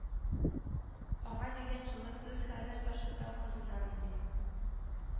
Аңа дигән җылы сүз хәзер ташлытау кызынамыни